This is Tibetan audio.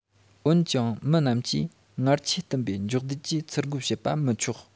འོན ཀྱང མི རྣམས ཀྱིས མངར ཆས བཏུམས པའི སྒྱོགས མདེལ གྱིས ཚུར རྒོལ བྱེད པ མི འཁྱོག